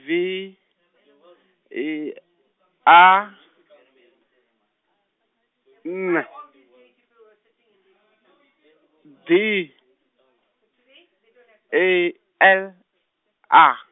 V I A, N D E L A.